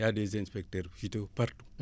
y a des inspecteur phyto partout